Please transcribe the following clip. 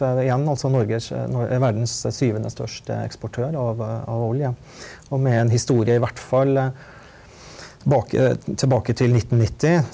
da er det igjen altså Norges verdens syvende største eksportør av av olje og med en historie i hvert fall tilbake tilbake til nittennitti,